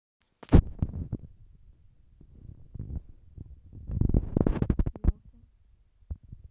чем отличается ель от елки